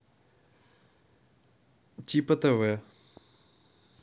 типа тв